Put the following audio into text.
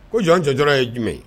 Ko jɔnɔncɛ dɔrɔn ye jumɛn ye